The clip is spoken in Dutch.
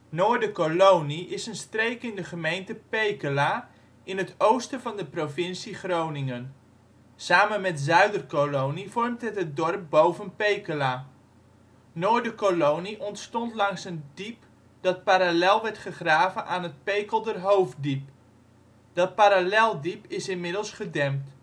Noorderkolonie is een streek in de gemeente Pekela in het oosten van de provincie Groningen. Samen met Zuiderkolonie vormt het het dorp Boven Pekela. Noorderkolonie ontstond langs een diep dat parallel werd gegraven aan het Pekelderhoofddiep. Dat paralleldiep is inmiddels gedempt